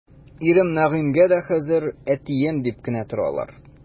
Ирем Нәгыймгә дә хәзер әтием дип кенә торалар.